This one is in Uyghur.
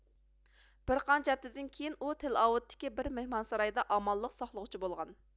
بىر قانچە ھەپتىدىن كېيىن ئۇ تېل ئاۋېۋتىكى بىر مىھمانسارايدا ئامانلىق ساقلىغۇچى بولغان